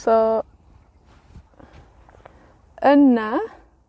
So, yna,